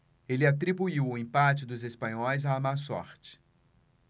ele atribuiu o empate dos espanhóis à má sorte